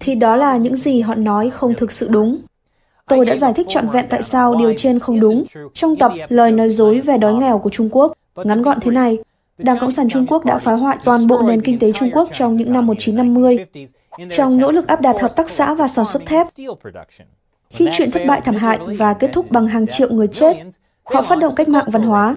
thì đó là những gì họ nói không thực sự đúng tôi đã giải thích trọn vẹn tại sao điều trên không đúng trong tập lời nói dối về đói nghèo của trung quốc ngắn gọn thế này đảng cộng sản trung quốc đã phá hoại toàn bộ nền kinh tế trung quốc trong những năm một chín năm mươi trong nỗ lực áp đặt hợp tác xã và sản xuất thép khi chuyện thất bại thảm hại và kết thúc bằng hàng triệu người chết họ phát động cách mạng văn hóa